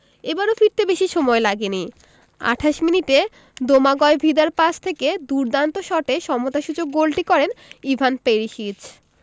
এবারও ফিরতে বেশি সময় লাগেনি ২৮ মিনিটে দোমাগয় ভিদার পাস থেকে দুর্দান্ত শটে সমতাসূচক গোলটি করেন ইভান পেরিসিচ